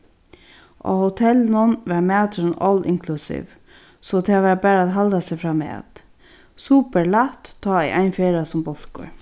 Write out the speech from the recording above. á hotellinum var maturin all inclusive so tað var bara at halda seg framat super lætt tá ið ein ferðast sum bólkur